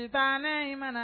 I banna i mana